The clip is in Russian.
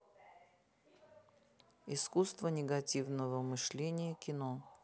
искусство негативного мышления кино